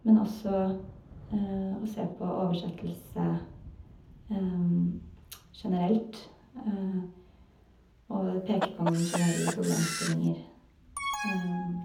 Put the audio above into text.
Men også og se på oversettelse generelt og e peker på noen generelle problemstillinger